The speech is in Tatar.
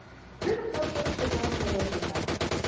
Бер кашык суга салып йотарлык.